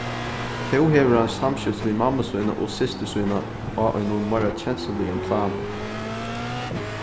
tó hevur hann samskift við mammu sína og systur sína á einum meira kensluligum plani